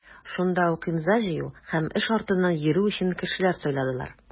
Шунда ук имза җыю һәм эш артыннан йөрү өчен кешеләр сайладылар.